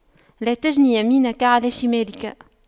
لا تجن يمينك على شمالك